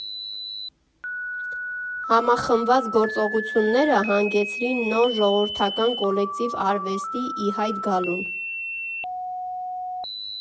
Համախմբված գործողությունները հանգեցրին նոր ժողովրդական կոլեկտիվ արվեստի ի հայտ գալուն։